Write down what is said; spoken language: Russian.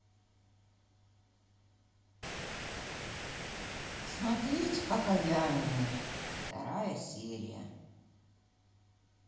смотреть покаяние вторая серия